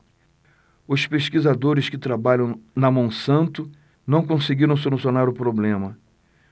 os pesquisadores que trabalham na monsanto não conseguiram solucionar o problema